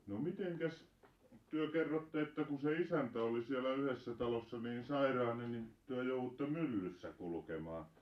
no mitenkäs te kerrotte että kun se isäntä oli siellä yhdessä talossa niin sairainen niin te joudutte myllyssä kulkemaan